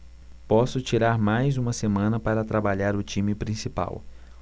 posso tirar mais uma semana para trabalhar o time principal